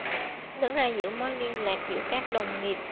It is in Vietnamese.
đứng ra giữ mối liên lạc giữa các đồng nghiệp